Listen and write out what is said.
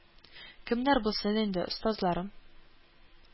Кемнәр булсын инде, остазларым